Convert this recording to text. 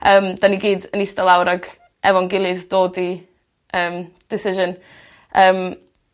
yym 'dyn ni gyd yn eista lawr ag efo'n gilydd dod i yym decision yym.